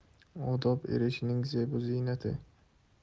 odob irishining zeb u ziynati